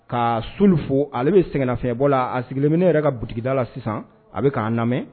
Ka solu fo ale bɛ seginnanafɛnbɔ la a sigilen ne yɛrɛ ka buda la sisan a bɛ'a lamɛn